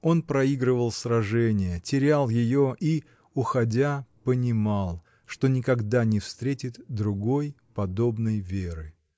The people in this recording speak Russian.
Он проигрывал сражение, терял ее и, уходя, понимал, что никогда не встретит другой, подобной Веры.